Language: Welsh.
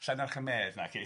Llanarch y medd, naci.